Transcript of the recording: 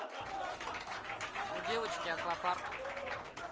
у девочки аквапарк